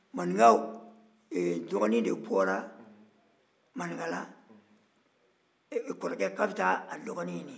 maninkaw dɔgɔnin de bɔra maninkala kɔrɔkɛ ko k'a bɛ taa a dɔgɔnin ɲini